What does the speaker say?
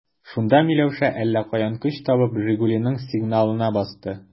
Шунда Миләүшә, әллә каян көч табып, «Жигули»ның сигналына басты.